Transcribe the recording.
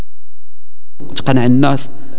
قناه الناس